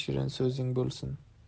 shirin so'zing bo'lsin